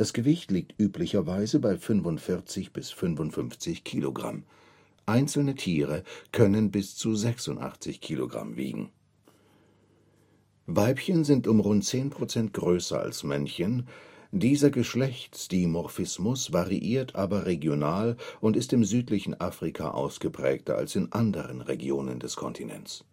Gewicht liegt üblicherweise bei 45 bis 55 Kilogramm, einzelne Tiere können bis zu 86 Kilogramm wiegen. Weibchen sind um rund 10 % größer als Männchen, dieser Geschlechtsdimorphismus variiert aber regional und ist im südlichen Afrika ausgeprägter als in anderen Regionen des Kontinents